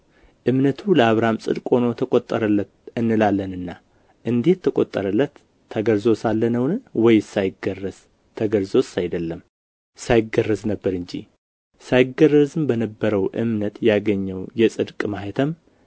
እምነቱ ለአብርሃም ጽድቅ ሆኖ ተቆጠረለት እንላለንና እንዴት ተቆጠረለት ተገርዞ ሳለ ነውን ወይስ ሳይገረዝ ተገርዞስ አይደለም ሳይገረዝ ነበር እንጂ ሳይገረዝም በነበረው እምነት ያገኘው የጽድቅ ማኅተም